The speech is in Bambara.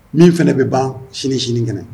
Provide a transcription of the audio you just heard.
Min fana bɛ ban sini sini kɛnɛ